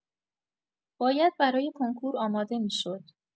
باید برای کنکور آماده می‌شد.